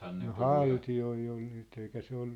no haltijoita oli nyt eikä se ollut